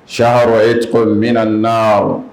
Caro ye tɔgɔ min na